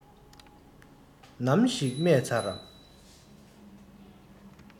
ནམ ཞིག རྨས ཚར རམ